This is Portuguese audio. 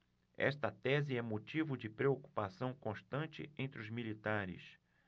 esta tese é motivo de preocupação constante entre os militares